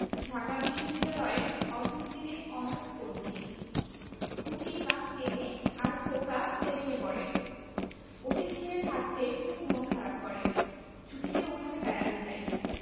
ঢাকা বিশ্ববিদ্যালয়ে অর্থনীতিতে অনার্স পরছি খুকি ক্লাস টেন এ আর খোকা সেভেন এ পড়ে ওদের ছেড়ে থাকতে খুব মন খারাপ করে ছুটিতে ওখানে বেড়াতে যাই